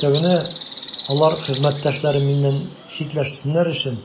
Өстәвенә, алар хезмәттәшләрем миннән читләшсеннәр өчен